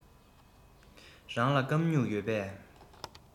རང ལ སྐམ སྨྱུག ཡོད པས